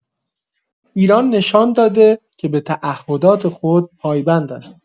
ایران نشان داده که به تعهدات خود پایبند است.